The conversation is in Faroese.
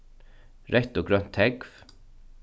reytt og grønt tógv